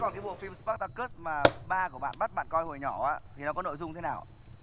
còn cái bộ phim bát ta cớt mà ba của bạn bắt bạn coi hồi nhỏ thì nó có nội dung thế nào ạ